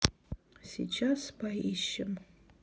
сейчас поищем